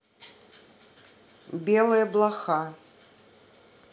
белая блоха